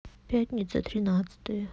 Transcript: пятница тринадцатое